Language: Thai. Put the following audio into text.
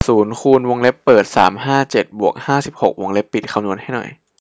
ศูนย์คูณวงเล็บเปิดสามห้าเจ็ดบวกห้าสิบหกวงเล็บปิดคำนวณให้หน่อย